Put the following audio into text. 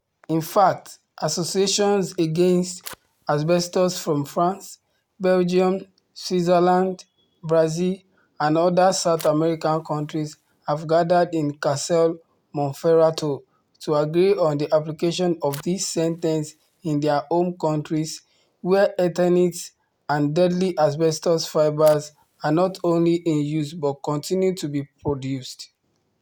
In fact associations against asbestos from France, Belgium, Switzerland, Brazil and other South American countries have gathered in Casale Monferrato to agree on the application of this sentence in their home countries, where Eternit and deadly asbestos fibres are not only in use but continue to be produced.